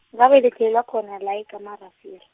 ngabelethelwa khona la e- Kameelrivier.